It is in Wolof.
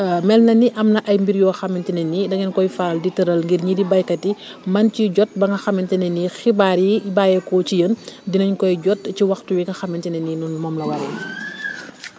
mel na ni am na ay mbir yoo xamante ne nii da ngeen koy faral di tëral ngir ñii di béykat yi mën ci jot ba nga xamante ne nii xibaar yi bàyyeekoo ci yéen dinañ koy jot ci waxtu wi nga xamante ne nii ñu ne moom la waree